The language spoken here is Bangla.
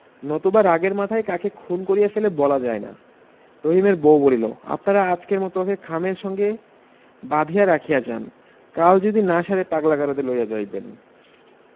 নতুবা রাগের মাথায় কাকে খুন করিয়া ফেলে বলা যায় না রহিমের বউ বলিল আপনারা আজকের মতো ওকে খামের সঙ্গে বাঁধিয়া রাখিয়া যান কাল যদি না সারে পাগলা গারদে লইয়া যাইবেন